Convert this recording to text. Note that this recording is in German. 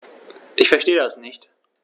Ich verstehe das nicht.